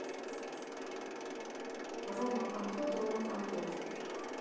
рома компот рома компот